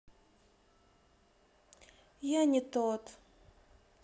я не тот